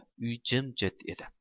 uy jimjit edi